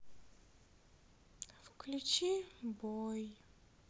включи бой